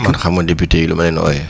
man xam nga député yi nu ma leen ooyee